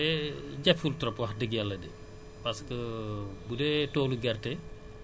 te jafewul trop wax dëgg Yàlla de parce que bu dee toolu gerte